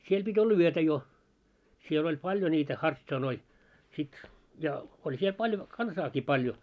siellä piti olla yötä jo siellä oli paljon niitä hartsanoita sitten ja oli siellä paljon kansaakin paljon